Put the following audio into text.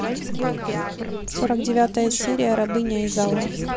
сорок девятая серия рабыня изаура